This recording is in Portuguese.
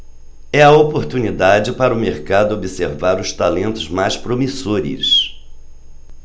é a oportunidade para o mercado observar os talentos mais promissores